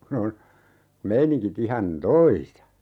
kun on meiningit ihan toisa